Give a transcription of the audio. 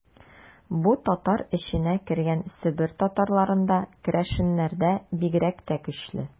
Бу татар эченә кергән Себер татарларында, керәшеннәрдә бигрәк тә көчле.